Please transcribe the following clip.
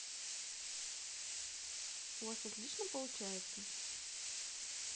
у вас отлично получается